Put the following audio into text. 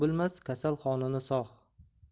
bilmas kasal holini sog'